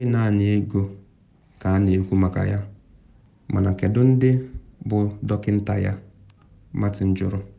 “Ọ bụghị naanị ego ka a na ekwu maka ya, mana kedu ndị bụ dọkịnta ya?” Martin jụrụ.